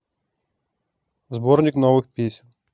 сборник новых песен